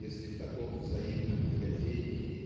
если в таком взаимном тяготении